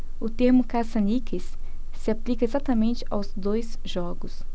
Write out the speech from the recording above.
o termo caça-níqueis se aplica exatamente aos dois jogos